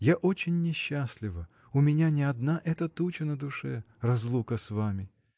— Я очень несчастлива: у меня не одна эта туча на душе — разлука с вами!